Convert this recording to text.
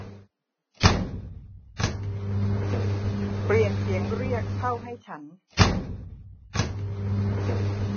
เปลี่ยนเสียงเรียกเข้าให้ฉัน